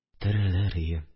Терелер идем.